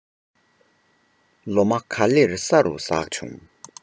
ལོ མ ག ལེར ས རུ ཟགས བྱུང